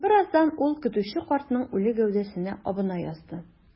Бераздан ул көтүче картның үле гәүдәсенә абына язды.